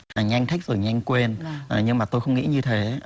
nhanh thích rồi nhanh quên mà nhưng mà tôi không nghĩ như thế